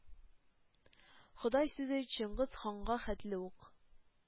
“ходай“ сүзе чыңгыз ханга хәтле үк